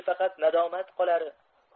faqat nadomat qolar